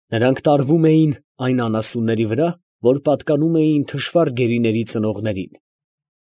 Նրանք տարվում էին այն անասունների վրա, որ պատկանում էին թշվառ գերիների ծնողներին։